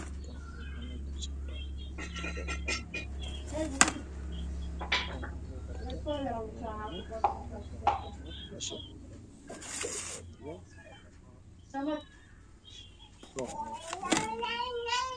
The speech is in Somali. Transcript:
Waa ilmo geed hoos fadhiyo waxaa dhabta usaran looda quraanka lagu qoro